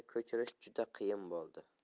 ko'chirish juda qiyin bo'ldi